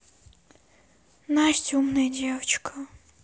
настя умная девочка